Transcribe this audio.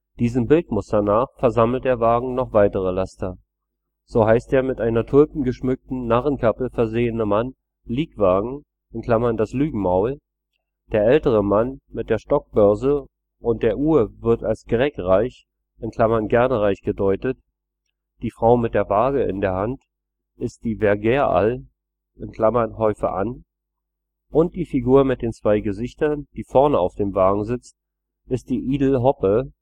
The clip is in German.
Diesem Bildmuster nach versammelt der Wagen noch weitere Laster. So heißt der mit einer tulpengeschmückten Narrenkappe versehene Mann Liegwagen (das Lügenmaul), der ältere Mann mit der Stockbörse und der Uhr wird als Graegreich (Gernereich) gedeutet, die Frau mit der Waage in der Hand ist die Vergaer al (Häufe an) und die Figur mit den zwei Gesichtern, die vorne auf dem Wagen sitzt, ist die Ydel Hope